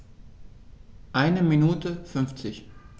Eine Minute 50